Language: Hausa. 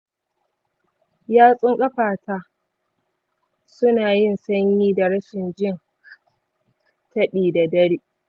yatsun ƙafata su na yin sanyi da rashin jin taɓi da dare.